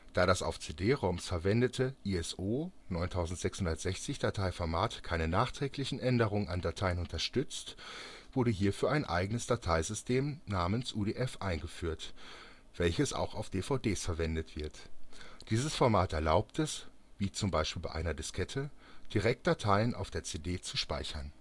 Da das auf CD-ROMs verwendete ISO-9660-Dateiformat keine nachträglichen Änderungen an Dateien unterstützt, wurde hierfür ein eigenes Dateisystem namens UDF eingeführt, welches auch auf DVDs verwendet wird. Dieses Format erlaubt es, wie zum Beispiel bei einer Diskette, direkt Dateien auf der CD zu speichern